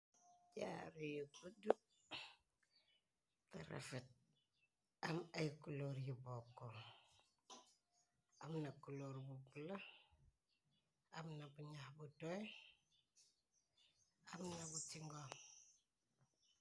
Jaaru yu gujju tarafet am ay kuloor yi bokk amna kuloor bu bla amna bu nax bu toy amna bu ci ngoom.